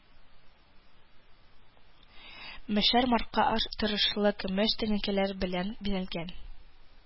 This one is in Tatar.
Мешәр марка торышлы көмеш тәңкәләр белән бизәлгән